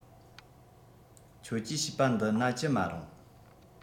ཁྱོད ཀྱིས བྱིས པ འདི ན ཅི མ རུང